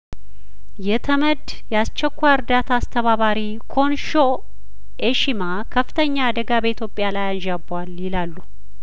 የተመድ የአስቸኳይ እርዳታ አስተባባሪ ኮንሾ ኤሺማ ከፍተኛ አደጋ በኢትዮጵያ ላይ አንዣቧል ይለሉ